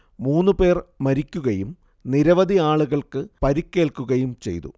മൂന്നുപേർ മരിക്കുകയും നിരവധി ആളുകൾക്ക് പരുക്കേൽക്കുയും ചെയ്തു